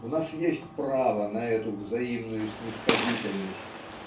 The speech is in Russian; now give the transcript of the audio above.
У нас есть право на эту взаимную снисходительность.